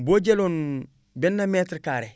boo jëloon benn mètre carré